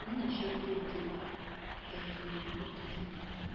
Сине начар ир дип әйтүемә үкенәм.